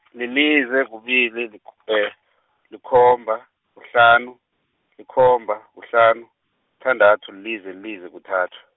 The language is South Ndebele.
lilize, kubili, likh- , likhomba, kuhlanu, likhomba, kuhlanu, kuthandathu, lilize, lilize, kuthathu.